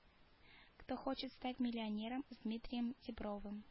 Кто хочет стать миллионером с дмитрием дибровым